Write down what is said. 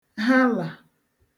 ha là